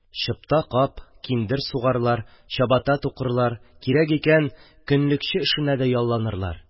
Чыпта-кап, киндер сугарлар, чабата тукырлар, кирәк икән, көнлекче эшенә дә ялланырлар.